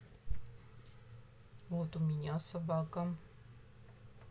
вот у меня собака